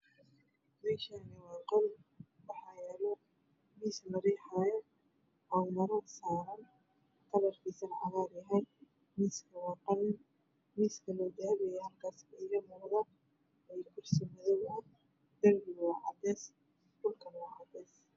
Meeshaan waa qol waxaa yaalo miis la riixayo oo maro saaran kalarkiisuna cagaar yahay miisku waa qalin. Miiskaloo dahabi ah yaa halkaas iiga muuqdo iyo kursi madow ah darbigu waa cadeys dhulkuna waa cadeys.